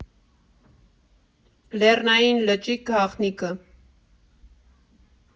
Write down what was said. Լեռնային լճի գաղտնիքը։